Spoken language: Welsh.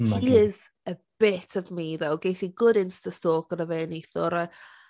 He is a bit of me, though. Ges i good Insta stalk ohono fe neithiwr a...